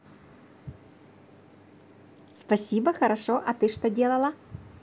спасибо хорошо а ты что делала